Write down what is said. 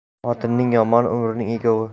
xotinning yomoni umrning egovi